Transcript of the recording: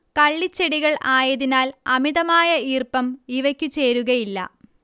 കള്ളിച്ചെടികൾ ആയതിനാൽ അമിതമായ ഈർപ്പം ഇവക്കു ചേരുകയില്ല